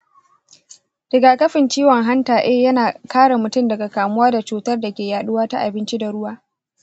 rigakafin ciwon hanta a yana kare mutum daga kamuwa da cutar da ke yaduwa ta abinci da ruwa.